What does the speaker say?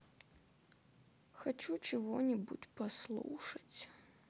хочу чего нибудь послушать